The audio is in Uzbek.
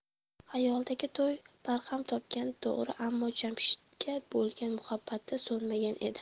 xayolidagi to'y barham topgani to'g'ri ammo jamshidga bo'lgan muhabbati so'nmagan edi